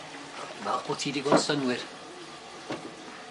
Falch bo' ti 'di gwel' synwyr.